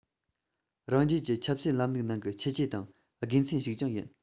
རང རྒྱལ གྱི ཆབ སྲིད ལམ ལུགས ནང གི ཁྱད ཆོས དང དགེ མཚན ཞིག ཀྱང ཡིན